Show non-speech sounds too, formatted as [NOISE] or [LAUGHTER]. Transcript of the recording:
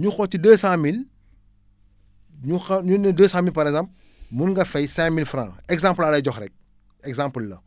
ñu xool ci deux cent mille ñu xa énu ne deux cent mille par exemple [BREATH] mun nga fay cinq mille frans exemple laa lay jox rek exemple la